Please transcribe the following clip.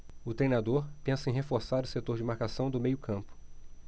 o treinador pensa em reforçar o setor de marcação do meio campo